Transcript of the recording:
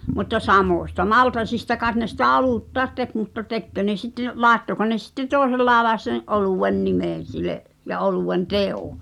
mutta samoista maltaista kai ne sitä oluttakin teki mutta tekikö ne sitten laittoiko ne sitten toisella lailla sen oluen nimen sille ja oluen teon